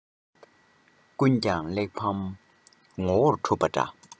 ཀུན ཀྱང གླེགས བམ ངོ བོར གྲུབ པ འདྲ